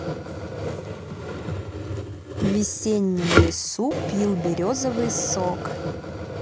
весеннем лесу пил березовый сок